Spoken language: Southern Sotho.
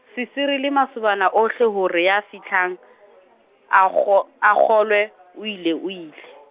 se sirile masobana ohle hore ya fihlang, a kgo-, a kgolwe, o ile o ile.